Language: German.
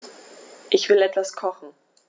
Ich will etwas kochen.